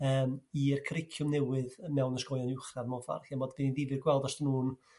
yrem i'r cwrici'wm newydd mewn ysgolion uwchradd mewn ffor' ch'mod fydd 'i'n difyr gweld os nhw'n